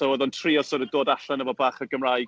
So odd o'n trio sort of dod allan efo bach o Gymraeg.